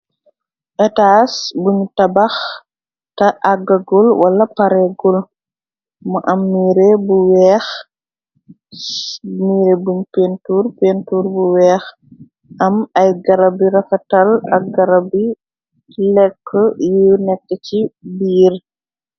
Etas buñu tabax ta àggagul wala pareegul mu am miirebweexre buñ pentur. Pentur bu weex am ay gara bi rafatal ak gara bi lekkl yu nekk ci biir.